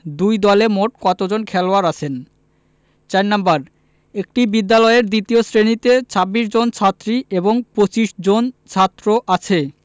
দুই দলে মোট কতজন খেলোয়াড় আছেন ৪ নাম্বার একটি বিদ্যালয়ের দ্বিতীয় শ্রেণিতে ২৬ জন ছাত্রী ও ২৫ জন ছাত্র আছে